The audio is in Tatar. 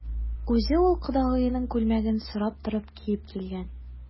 Үзе ул кодагыеның күлмәген сорап торып киеп килгән.